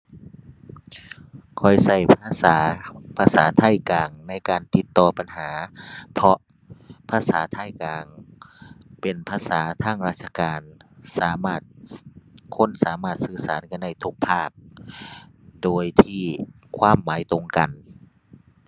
ข้อยใช้ภาษา ภาษาไทยกลางในการติดต่อปัญหา เพราะภาษาไทยกลาง เป็นภาษาทางราชการ สามารถ คนสามารถสื่อสารกันได้ทุกภาค โดยที่ความหมายตรงกัน